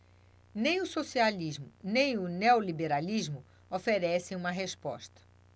nem o socialismo nem o neoliberalismo oferecem uma resposta